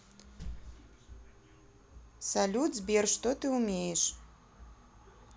салют сбер что ты умеешь